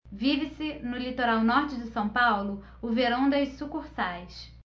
vive-se no litoral norte de são paulo o verão das sucursais